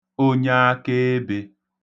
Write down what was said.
onyaakeebē